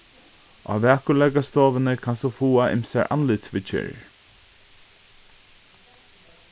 á vakurleikastovuni kanst tú fáa ymsar andlitsviðgerðir